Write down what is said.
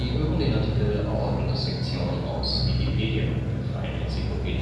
hören den Artikel Aortendissektion, aus Wikipedia, der freien Enzyklopädie